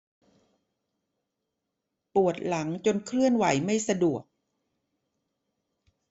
ปวดหลังจนเคลื่อนไหวไม่สะดวก